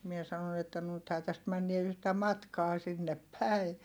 minä sanoin että nythän tästä mennään yhtä matkaa sinne päin